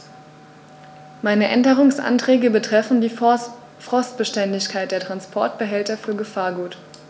Meine Änderungsanträge betreffen die Frostbeständigkeit der Transportbehälter für Gefahrgut.